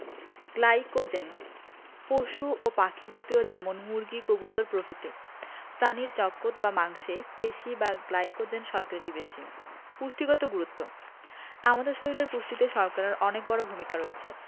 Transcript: glycogen পশু ও পাখি জাতীয় যেমন মুরগি কবুতর প্রভিতি প্রাণীর যক্কৎ বা মাংসে পেশি বা গ্লাইকোজেন শর্করাটি বেশি পুষ্টিগত গুরুত্ব আমাদের শরীলের পুষ্টিতে শর্করার অনেক বড় ভূমিকা রয়েছে